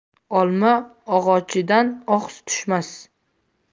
olma og'ochidan ohs tushmas